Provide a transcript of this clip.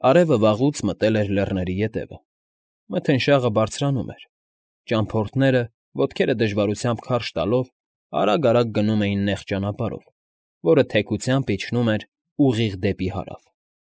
Արևը վաղուց մտել էր լեռների ետևը, մթնշաղը թանձրանում էր, ճամփորդները, ոտքերը դժվարությամբ քարշ տալով, արագ֊արագ գնում էին նեղ ճանապարհով, որը թեքությամբ իջնում էր ուղիղ դեպի հարավ։